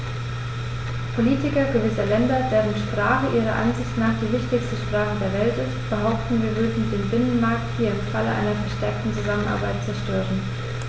Politiker gewisser Länder, deren Sprache ihrer Ansicht nach die wichtigste Sprache der Welt ist, behaupten, wir würden den Binnenmarkt hier im Falle einer verstärkten Zusammenarbeit zerstören.